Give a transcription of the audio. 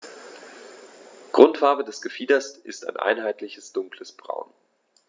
Grundfarbe des Gefieders ist ein einheitliches dunkles Braun.